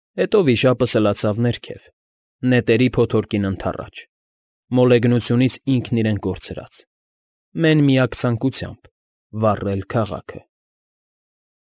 Հետո վիշապը սլացավ ներքև, նետերի փոթորկին ընդառաջ, մոլեգնությունից ինքն իրեն կորցրած, մեն֊միակ ցանկությամբ՝ վառել քաղաքը։